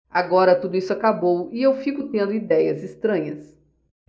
agora tudo isso acabou e eu fico tendo idéias estranhas